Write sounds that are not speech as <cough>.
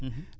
<hesitation> <hesitation>